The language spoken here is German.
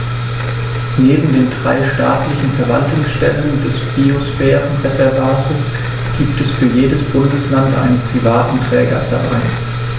Neben den drei staatlichen Verwaltungsstellen des Biosphärenreservates gibt es für jedes Bundesland einen privaten Trägerverein.